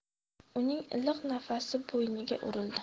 uning iliq nafasi bo'yniga urildi